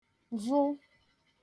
vụ